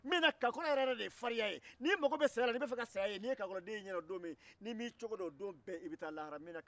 kakɔlɔ yɛrɛ de ye farinya ye n'i magao bɛ saya la n'i ɲɛ dara kakɔlɔ den kaan don min na o don i bɛ taa lahara